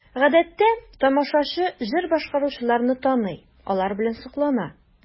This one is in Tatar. Гадәттә тамашачы җыр башкаручыларны таный, алар белән соклана.